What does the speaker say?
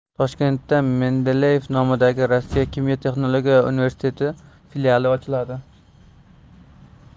toshkentda mendeleyev nomidagi rossiya kimyo texnologiya universiteti filiali ochiladi